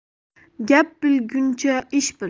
gap bilguncha ish bil